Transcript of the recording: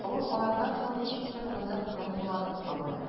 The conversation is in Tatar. Авыл алардан соң ничектер тынып, моңсуланып калды.